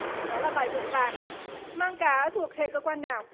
đó là bài vội vàng mang cá thuộc hệ cơ quan nào